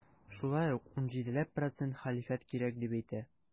Шулай ук 17 ләп процент хәлифәт кирәк дип әйтә.